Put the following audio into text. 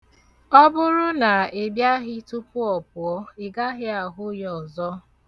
Ọ buru na ị bịaghị tupu ọ pụo, ị gaghị ahụ ya ọzọ.